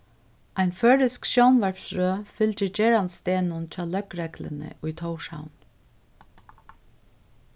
ein føroysk sjónvarpsrøð fylgir gerandisdegnum hjá løgregluni í tórshavn